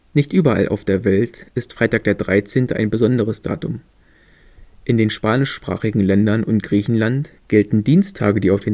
Nicht überall auf der Welt ist Freitag der 13. ein besonderes Datum. In den spanischsprachigen Ländern und Griechenland gelten Dienstage, die auf